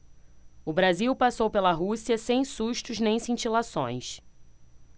o brasil passou pela rússia sem sustos nem cintilações